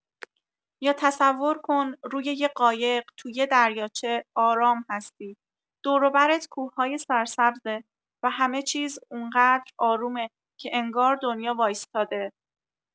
یا تصور کن روی یه قایق تو یه دریاچه آرام هستی، دور و برت کوه‌های سرسبز، و همه‌چیز اونقدر آرومه که انگار دنیا وایستاده.